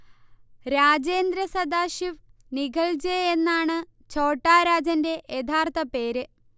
Rajendra Sadashiv Nikhalje. യെന്നാണ് ഛോട്ടാ രാജന്റെ യഥാർത്ഥ പേര്